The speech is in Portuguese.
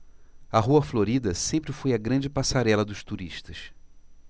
a rua florida sempre foi a grande passarela dos turistas